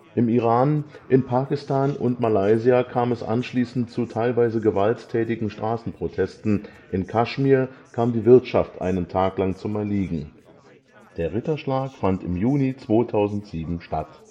In Iran, Pakistan und Malaysia kam es anschließend zu teilweise gewalttätigen Straßenprotesten. In Kaschmir kam die Wirtschaft einen Tag lang zum Erliegen. Der Ritterschlag fand im Juni 2007 statt